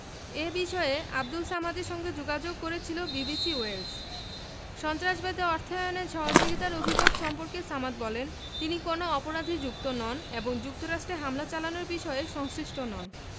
এ বিষয়ে আবদুল সামাদের সঙ্গে যোগাযোগ করেছিল বিবিসি ওয়েলস সন্ত্রাসবাদে অর্থায়নে সহযোগিতার অভিযোগ সম্পর্কে সামাদ বলেন তিনি কোনো অপরাধে যুক্ত নন এবং যুক্তরাষ্টে হামলা চালানোর বিষয়ে সংশ্লিষ্ট নন